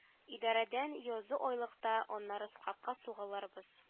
Идарәдән язу алыйк та аннары складка сугылырбыз